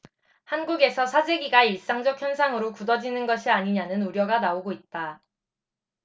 한국에서 사재기가 일상적 현상으로 굳어지는 것이 아니냐는 우려가 나오고 있다